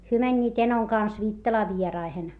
he menivät enon kanssa Viittalaan vieraisiin